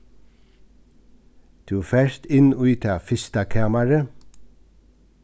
tú fert inn í tað fyrsta kamarið